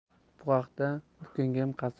bu haqda bukingem